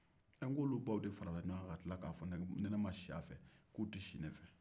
e n ko olu baw de farala ɲɔgɔn kan ka tila k'a fɔ ne ye ni ne ma si a fɛ k'olu tɛ si ne fɛ